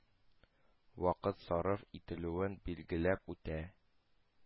Вакыт сарыф ителүен билгеләп үтә.